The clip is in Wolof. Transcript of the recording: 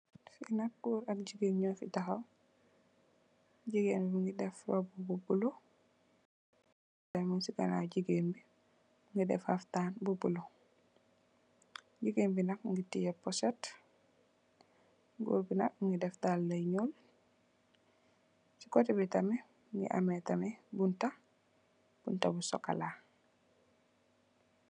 Fii nak goor ak jigeen nyufi takhaw. Jigeen bi mungi def robu bu bulo, goor bi mung ci ganaw jigeen bi ,goor bi mungi def xhaftan bu bulo. Jigeen bi nak mungi teyeh poset goor bi nak mungi def dalla bu nuu. Ci coteh bi tamid mungi def bunta bunta bu sokola.